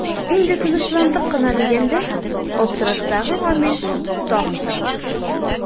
Инде тынычландык кына дигәндә аптыраштагы Гамил тагын сорап куя.